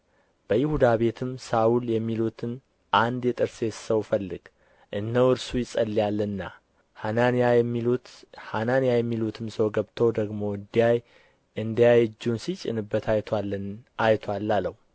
በይሁዳ ቤትም ሳውል የሚሉትን አንድ የጠርሴስ ሰው ፈልግ እነሆ እርሱ ይጸልያልና ሐናንያ የሚሉትም ሰው ገብቶ ደግሞ እንዲያይ እጁን ሲጭንበት አይቶአል አለው